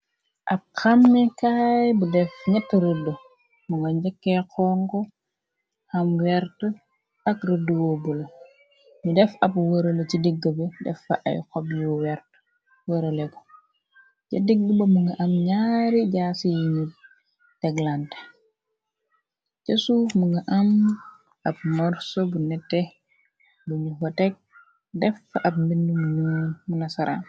Ab xamne kaay bu def nett rëdd mu nga njekkee xong ham wert ak rëdd woobu la ñi def ab wërale ci digg be defa ay xobyu wert wëraleku ca digg ba mu nga am ñaari jaase yiñu deklànt cë suuf mu nga am ab morso bu netee buñu bateg def fa ab mbind munu muna saraam.